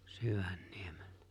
Syvänniemellä